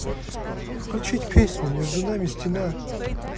включить песню между нами стена